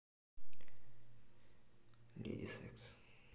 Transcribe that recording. леди секс